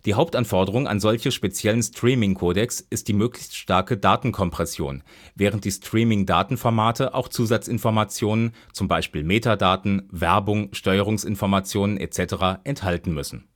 Hauptanforderung an solche speziellen Streaming-Codecs ist die möglichst starke Datenkompression, während die Streaming-Datenformate auch Zusatzinformationen (z. B. Metadaten, Werbung, Steuerungsinformationen etc.) enthalten müssen